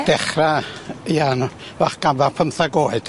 Dechra ia yn fachgan pymtheg oed.